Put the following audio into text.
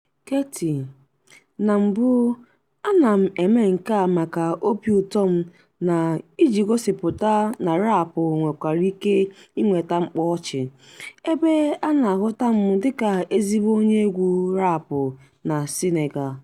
Keyti : Na mbụ ana m eme nke a maka obiụtọ m na iji gosịpụta na raapụ nwekwara ike iweta mkpaọchị, ebe a na-ahụta m dịka ezigbo onyeegwu raapụ na Senegal.